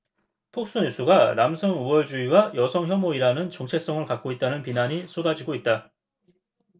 폭스뉴스가 남성우월주의와 여성혐오이라는 정체성을 갖고 있다는 비난이 쏟아지고 있다